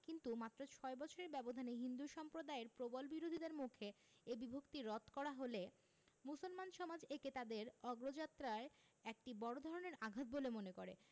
কিন্তু মাত্র ছয় বছরের ব্যবধানে হিন্দু সম্প্রদায়ের প্রবল বিরোধিতার মুখে এ বিভক্তি রদ করা হলে মুসলমান সমাজ একে তাদের অগ্রযাত্রায় একটি বড় ধরনের আঘাত বলে মনে করে